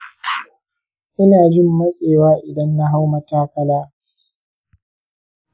ina jin matsewa idan na hau matakala.